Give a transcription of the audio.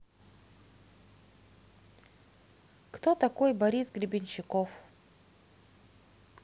кто такой борис гребенщиков